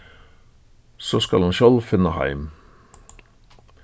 so skal hon sjálv finna heim